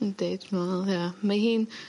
Yndi dwi me'wl ie. Mae hi'n